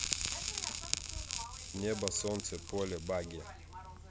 небо солнце поле багги